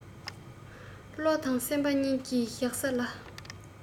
བློ དང སེམས པ གཉིས ཀྱི བཞག ས ལ